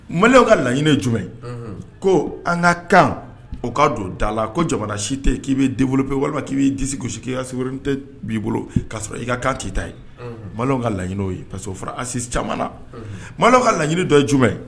Maliw ka laɲiniinɛ jumɛn ko an ka kan o ka don dala la ko jamana si tɛ k'i bɛ den bolo pe walima k'i'i disi gosisi k' tɛ b'i bolo ka i ka kan tita ye malo ka laɲiniw ye ka o fɔra asi caman ma ka laɲiniinɛ dɔ jumɛn